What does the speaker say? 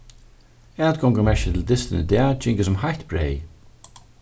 atgongumerki til dystin í dag gingu sum heitt breyð